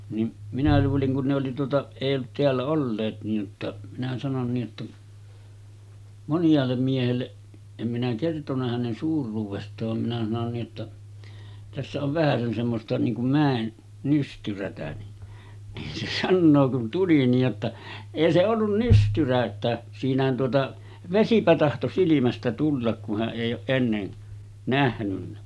niin minä luulin kun ne oli tuota ei ollut täällä olleet niin jotta minä sanoin niin että moniaalle miehelle en minä kertonut hänen suuruudestaan vaan minä sanoin niin että tässä on vähäsen semmoista niin kuin mäen nystyrää niin niin se sanoo kun tuli niin jotta ei se ollut nystyrä että siinähän tuota vesipä tahtoi silmästä tulla kun hän ei ole ennen nähnyt